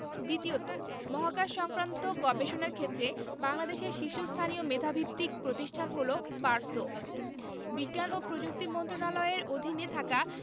দ্বিতীয়ত মহাকাশসংক্রান্ত গবেষণার ক্ষেত্রে বাংলাদেশের শীর্ষস্থানীয় মেধাভিত্তিক প্রতিষ্ঠান হলো পারসো বিজ্ঞান ও প্রযুক্তি মন্ত্রণালয়ের অধীনে থাকা